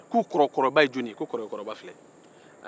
ko kɔrɔkɛ kɔrɔba bɛ min